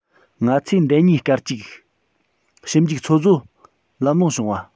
ང ཚོས མདེལ གཉིས སྐར གཅིག ཞིབ འཇུག ཚོད བཟོ ལམ ལྷོང བྱུང བ